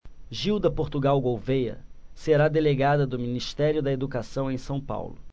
gilda portugal gouvêa será delegada do ministério da educação em são paulo